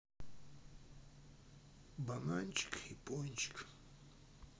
бананчик и пончик